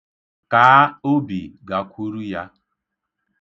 Kaa obi gakwuru ya.